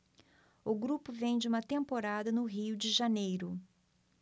o grupo vem de uma temporada no rio de janeiro